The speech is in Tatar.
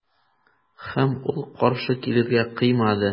Һәм ул каршы килергә кыймады.